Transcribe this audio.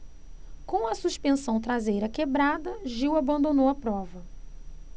com a suspensão traseira quebrada gil abandonou a prova